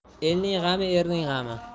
elning g'ami erning g'ami